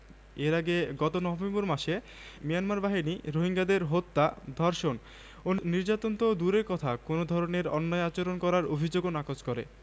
থেকে হাজার হাজার রোহিঙ্গা নিহত হয়েছে বলে অভিযোগ আছে এ ছাড়া বাংলাদেশে আশ্রয় নিয়েছে সাড়ে ছয় লাখেরও বেশি রোহিঙ্গা কূটনৈতিক সূত্রগুলো বলছে হত্যাকাণ্ডের স্বীকারোক্তির পরও মিয়ানমারের সামরিক বাহিনীকে নিরপেক্ষ বিচারের আওতায় আনা কঠিন হবে